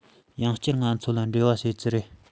ཡང བསྐྱར ང ཚོ དང འབྲེལ བ བྱེད ཀྱི རེད